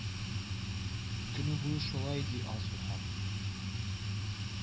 Көне буе шулай, ди Алсу ханым